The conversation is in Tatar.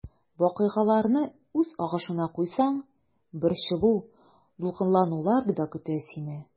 Вакыйгаларны үз агышына куйсаң, борчылу-дулкынланулар да көтә сине.